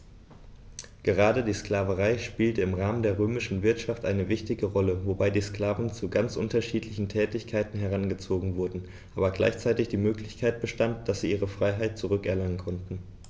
Gerade die Sklaverei spielte im Rahmen der römischen Wirtschaft eine wichtige Rolle, wobei die Sklaven zu ganz unterschiedlichen Tätigkeiten herangezogen wurden, aber gleichzeitig die Möglichkeit bestand, dass sie ihre Freiheit zurück erlangen konnten.